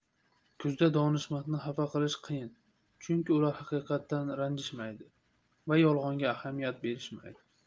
kuzda donishmandni xafa qilish qiyin chunki ular haqiqatdan ranjishmaydi va yolg'onga ahamiyat berishmaydi